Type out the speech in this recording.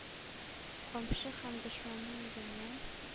Камчы һәм дошманы йөгеннән.